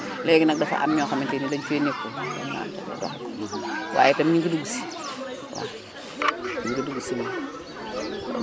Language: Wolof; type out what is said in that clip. léegi nag dafa am ñoo xamante ne dañu fee nekkul waaw moo tax waaye itam ñu ngi dugg si waaw énu ngi duggu si moom